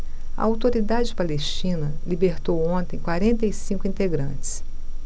a autoridade palestina libertou ontem quarenta e cinco integrantes